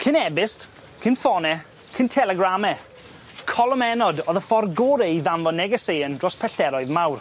Cyn ebyst cyn ffone cyn telegrame colomennod o'dd y ffor gore i ddanfon negeseuon dros pellteroedd mawr.